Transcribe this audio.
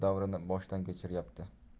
davrini boshdan kechiryapti